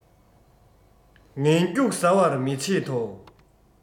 ངན སྐྱུགས ཟ བར མི བྱེད དོ